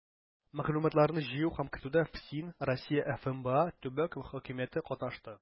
Мәгълүматларны җыю һәм кертүдә ФСИН, Россия ФМБА, төбәк хакимияте катнашты.